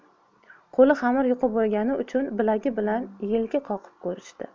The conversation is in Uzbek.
qo'li xamir yuqi bo'lgani uchun bilagi bilan yelka qoqib ko'rishdi